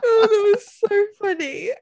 Oh that was so funny.